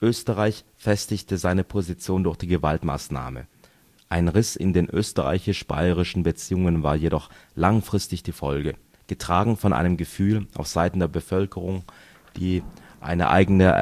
Österreich festigte seine Position durch die Gewaltmaßnahme - ein Riss in den österreichisch-bayerischen Beziehungen war jedoch langfristig die Folge, getragen von einem Gefühl auf Seiten der Bevölkerung, die eine eigene